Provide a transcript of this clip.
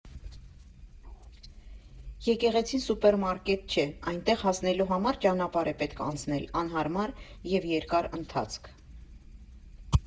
Եկեղեցին սուպերմարկետ չէ, այնտեղ հասնելու համար ճանապարհ է պետք անցնել, անհարմար և երկար ընթացք։